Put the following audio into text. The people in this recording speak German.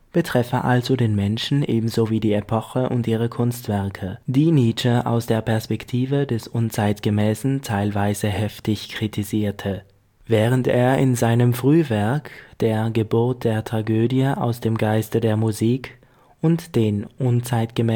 betreffe also den Menschen ebenso wie die Epoche und ihre Kunstwerke, die Nietzsche aus der Perspektive des Unzeitgemäßen teilweise heftig kritisierte. Richard Wagner, für Nietzsche der „ Künstler der décadence “Während er in seinem Frühwerk – der Geburt der Tragödie aus dem Geiste der Musik und den Unzeitgemäßen